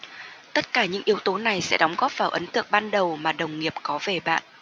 tất cả những yếu tố này sẽ đóng góp vào ấn tượng ban đầu mà đồng nghiệp có về bạn